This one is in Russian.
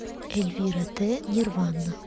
эльвира т нирвана